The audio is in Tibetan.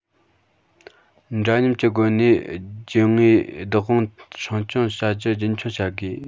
འདྲ མཉམ གྱི སྒོ ནས རྒྱུ དངོས བདག དབང སྲུང སྐྱོང བྱ རྒྱུ རྒྱུན འཁྱོངས བྱ དགོས